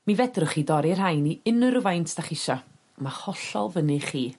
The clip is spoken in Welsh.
Mi fedrwch chi dorri rhai i unryw faint 'dach chi isio. Ma' hollol fyny chi.